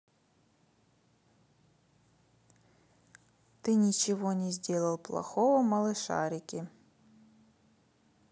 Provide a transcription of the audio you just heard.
ты ничего не сделал плохого малышарики